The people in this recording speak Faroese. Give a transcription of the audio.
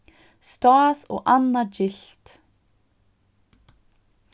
stás og annað gylt